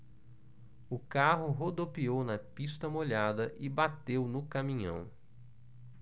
o carro rodopiou na pista molhada e bateu no caminhão